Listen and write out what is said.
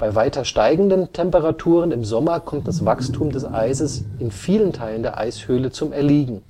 weiter steigenden Temperaturen im Sommer kommt das Wachstum des Eises in vielen Teilen der Eishöhle zum Erliegen